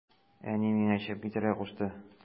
Әни миңа чыгып китәргә кушты.